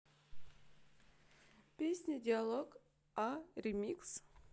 песня диалог а ремикс